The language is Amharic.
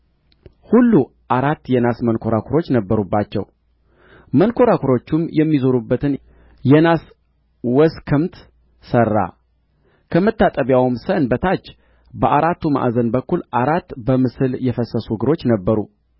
ሁሉ አራት የናስ መንኰራኵሮች ነበሩባቸ መንኰራኵሮቹም የሚዞሩበትን የናስ ወስከምት ሠራ ከመታጠቢያውም ሰን በታች በአራቱ ማዕዘን በኩል አራት በምስል የፈሰሱ እግሮች ነበሩ